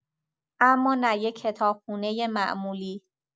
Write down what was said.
اما نه یه کتابخونۀ معمولی.